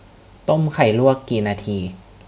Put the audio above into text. ต้มไข่ลวกกี่นาที